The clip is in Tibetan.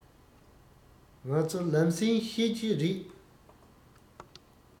ང ཚོ ལམ སེང ཤེས གྱི རེད